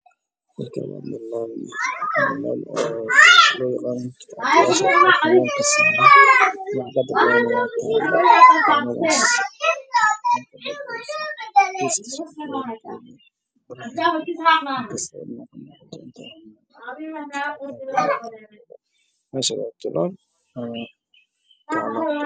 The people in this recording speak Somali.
Meeshan waa meel taallo oo calanka soomaaliya ayaa ku sawiran sidoo kale geed ayaa ka baxaayo